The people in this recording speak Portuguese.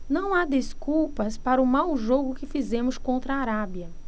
não há desculpas para o mau jogo que fizemos contra a arábia